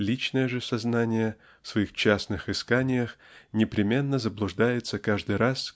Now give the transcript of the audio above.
личное же сознание в своих частных исканиях непременно заблуждается каждый раз